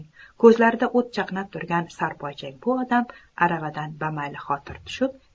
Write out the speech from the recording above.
ko'zlarida o't chaqnab turgan sarpoychan bu odam aravadan bamaylixotir tushib